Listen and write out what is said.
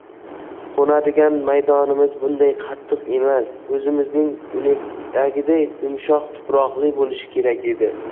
qo'nadigan maydonimiz bunday qattiq emas o'zimizning unetdagiday yumshoq tuproqli bo'lishi kerak edi